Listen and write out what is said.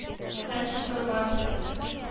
Рафис Корбан